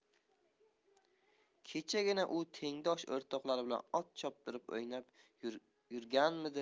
kechagina u tengdosh o'rtoqlari bilan ot choptirib o'ynab yurmaganmidi